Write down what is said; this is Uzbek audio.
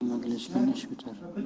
ko'maklashgan ish bitar